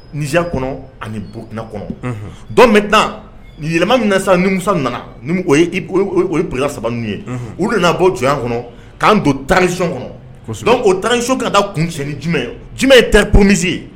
Niya kɔnɔ ani bon kɔnɔ dɔn bɛ taa yɛlɛma min sa nimisa nana o bola saba ye olu nanaa bɔ jɔn kɔnɔ k'an don tariy kɔnɔ o tariso ka da kunsɛn jumɛn ye jum ye ta komi ye